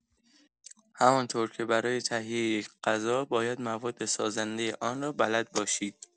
همانطور که برای تهیه یک غذا باید مواد سازنده آن را بلد باشید.